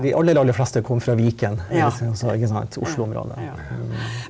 de aller aller fleste kom fra Viken altså ikke sant Oslo-området.